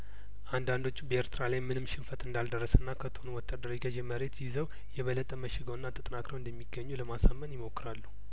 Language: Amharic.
አንዳንዶቹ በኤርትራ ላይ ምንም ሽንፈት እንዳልደረሰና ከቶውንም ወታደራዊ ገዥ መሬት ይዘው የበለጠ መሽገውና ተጠናክረው እንደሚጊኙ ለማሳመን ይሞክራሉ